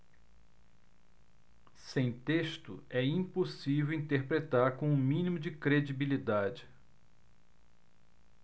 sem texto é impossível interpretar com o mínimo de credibilidade